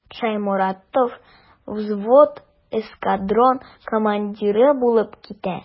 Шәйморатов взвод, эскадрон командиры булып китә.